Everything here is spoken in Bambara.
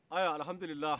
aya alhamdulila